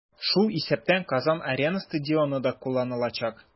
Шул исәптән "Казан-Арена" стадионы да кулланылачак.